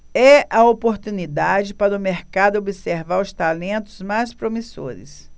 é a oportunidade para o mercado observar os talentos mais promissores